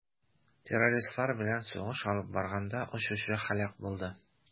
Террористлар белән сугыш алып барганда очучы һәлак булды.